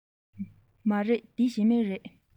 མ རེད འདི ཞི མི རེད